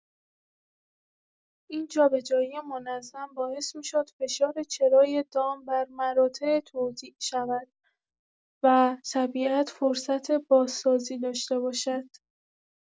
این جابه‌جایی منظم باعث می‌شد فشار چرای دام بر مراتع توزیع شود و طبیعت فرصت بازسازی داشته باشد.